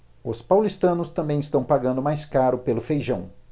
os paulistanos também estão pagando mais caro pelo feijão